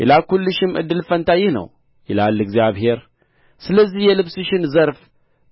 የለካሁልሽም እድል ፈንታ ይህ ነው ይላል እግዚአብሔር ስለዚህም የልብስሽን ዘርፍ